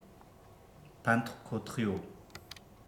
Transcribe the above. ཕན ཐོགས ཁོ ཐག ཡོད